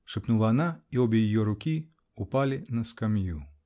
-- шепнула она, и обе ее руки упали на скамью.